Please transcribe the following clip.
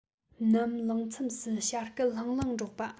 ནམ ལངས མཚམས སུ བྱ སྐད ལྷང ལྷང སྒྲོག པ